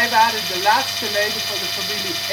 waren de laatste leden van de familie